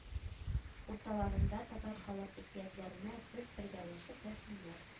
Урталарында татар халык әкиятләренә без бергәләшеп рәсемнәр